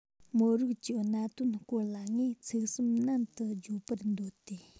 མི རིགས ཀྱི གནད དོན སྐོར ལ ངས ཚིག གསུམ ནན དུ བརྗོད པར འདོད དེ